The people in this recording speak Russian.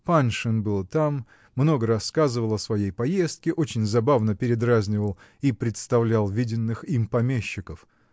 Паншин был там, много рассказывал о своей поездке, очень забавно передразнивал и представлял виденных им помещиков